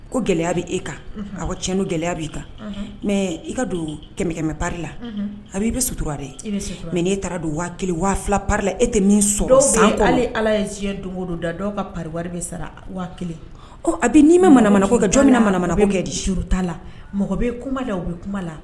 Ko gɛlɛya bɛe kan a bɔ cɛnɲɛn ni gɛlɛya b'i kan mɛ i ka don kɛmɛkɛmɛ pala a b'i bɛ sutura de mɛ' taara don waa waa pa la e tɛ min sɔn ala don don da dɔw ka bɛ sara kelen a n'i ma mana ko ka jɔnmina mana kɛ di sta la mɔgɔ bɛ kuma la o bɛ kuma la